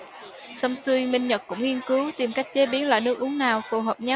xong xuôi minh nhật cũng nghiên cứu tìm cách chế biến loại nước uống nào phù hợp nhất